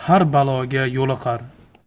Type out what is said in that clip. har baloga yo'liqar